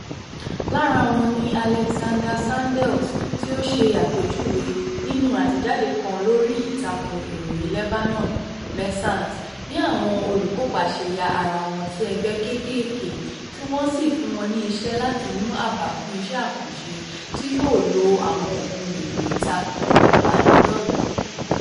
Lára wọn ni Alexandra Sandels tí ó ṣe àpèjúwe nínú àtẹ̀jáde kan lórí ìtàkùn ìròyìn Lebanon, Messanat, bí àwọn olùkópa ṣe ya ara wọn sí ẹgbẹ́ kéékèèké tí wọ́n sì fún wọn ní iṣẹ́ láti mú àbá fún iṣẹ́ àkànṣe tí yóò lo àwọn ohun èlò ìtàkùn ìbánidọ́rẹ̀.